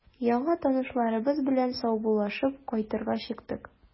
Яңа танышларыбыз белән саубуллашып, кайтырга чыктык.